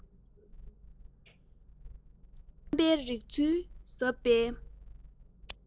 བསམ པའི རིག ཚུལ ཟབ པའི